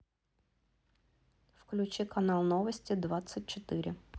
включи канал новости двадцать четыре